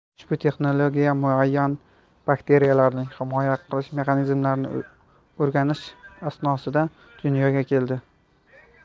ushbu texnologiya muayyan bakteriyalarning himoya mexanizmlarini o'rganish asnosida dunyoga keldi